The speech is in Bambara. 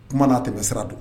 Kuma n'a tɛmɛ sira don